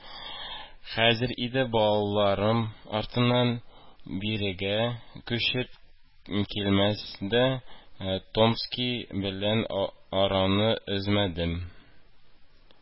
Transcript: «хәзер инде балаларым артыннан бирегә күчеп килсәм дә, томски белән араны өзмәдем